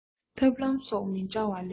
ཐབས ལམ སོགས མི འདྲ བ ལས